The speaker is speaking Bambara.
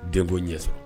Den ko ɲɛ sɔrɔ